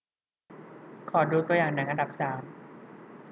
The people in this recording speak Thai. ขอดูตัวอย่างหนังอันดับสาม